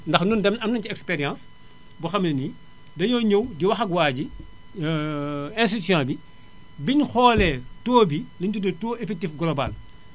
ndax ñun dañu am nañu ci expérience boo xam ne nii dañoo ñëw di wax ak waa ji institution bi bi ñu xoolee taux li ñu tuddee taux effectif global